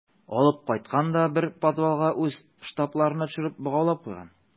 Алып кайткан да бер подвалга үз штабларына төшереп богаулап куйган.